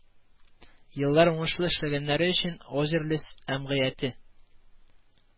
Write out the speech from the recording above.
Еллар уңышлы эшләгәннәре өчен озерлес әмгыяте